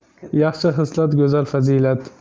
yaxshi xislat go'zal fazilat